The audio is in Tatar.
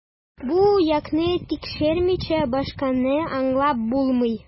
Бу якны тикшермичә, башканы аңлап булмый.